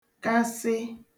kasị